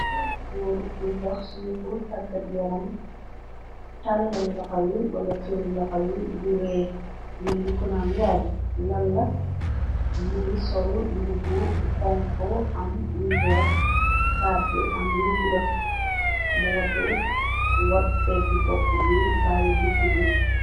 Goor buy dox ci yafu taggat yaram, tàa lal loxo yi wala firi loxo yi di reey menni ko naan waaw lan la, mungi sol mbubu bu xonxu, am yu weex, badd bi am lu bula, mu watu, wat pegg boppu bi, bayyi digg bi.